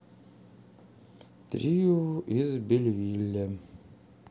трио из бельвилля